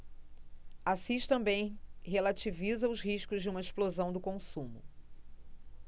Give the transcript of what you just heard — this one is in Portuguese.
assis também relativiza os riscos de uma explosão do consumo